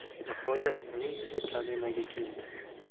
nihoyat uning tili kalimaga keldi